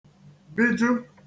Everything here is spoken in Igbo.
-biju